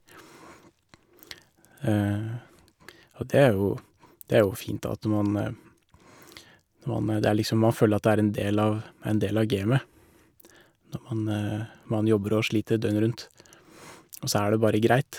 Og det er jo det er jo fint, da, at når man når man det er liksom, man føler at det er en del av en del av gamet når man man jobber og sliter døgnet rundt, og så er det bare greit.